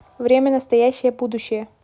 время настоящее будущее